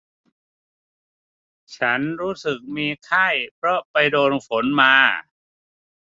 ฉันรู้สึกมีไข้เพราะไปโดนฝนมา